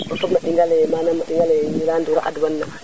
o fog na ɗingale manam na ɗingale Gnilane Ndour a adwan na